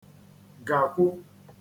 gàkwu